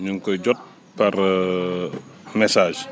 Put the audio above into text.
ñu ngi koy jot par message